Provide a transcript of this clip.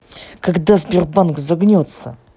когда сбербанк загнется